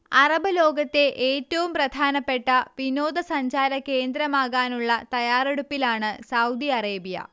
Arab ലോകത്തെ ഏറ്റവും പ്രധാനപ്പെട്ട വിനോദ സഞ്ചാര കേന്ദ്രമാകാനുള്ള തയാറെടുപ്പിലാണ് സൗദി അറേബ്യ